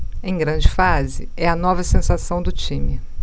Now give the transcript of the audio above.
em grande fase é a nova sensação do time